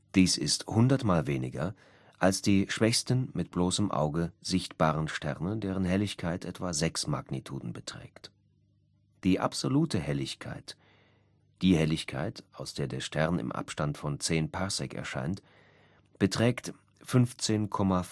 Dies ist hundertmal weniger als die schwächsten mit bloßem Auge sichtbaren Sterne, deren Helligkeit etwa 6m beträgt. Die absolute Helligkeit (die Helligkeit, aus der der Stern im Abstand von 10 Parsec erscheint) beträgt 15,5M